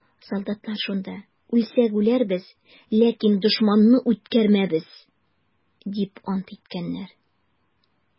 Солдатлар шунда: «Үлсәк үләрбез, ләкин дошманны үткәрмәбез!» - дип ант иткәннәр.